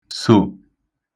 sò